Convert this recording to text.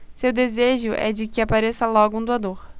seu desejo é de que apareça logo um doador